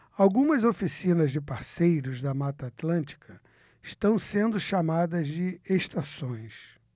algumas oficinas de parceiros da mata atlântica estão sendo chamadas de estações